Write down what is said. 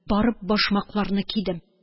Барып башмакларны кидем.